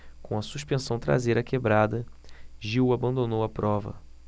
com a suspensão traseira quebrada gil abandonou a prova